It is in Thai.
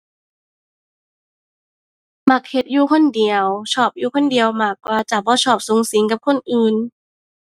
มักเฮ็ดอยู่คนเดียว ชอบอยู่คนเดียวมากกว่าจ้ะ บ่ชอบสุงสิงกับคนอื่น